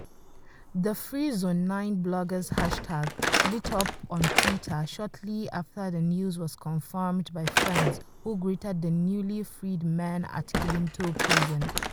The #FreeZone9Bloggers hashtag lit up on Twitter shortly after the news was confirmed by friends who greeted the newly freed men at Kilinto Prison.